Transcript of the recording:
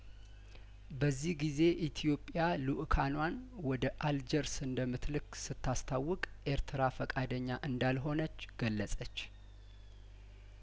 በዚህ ጊዜ ኢትዮጵያ ልኡካንዋን ወደ አልጀርስ እንደምትልክ ስታስታውቅ ኤርትራ ፈቃደኛ እንዳልሆነች ገለጸች